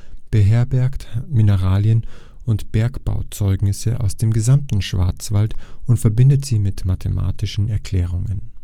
beherbergt Mineralien und Bergbauzeugnisse aus dem gesamten Schwarzwald und verbindet sie mit mathematischen Erklärungen